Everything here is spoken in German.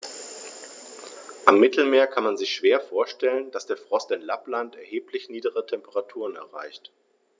Am Mittelmeer kann man sich schwer vorstellen, dass der Frost in Lappland erheblich niedrigere Temperaturen erreicht.